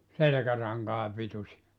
selkärankaa pituisia